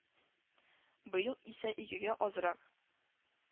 Быел исә икегә азрак.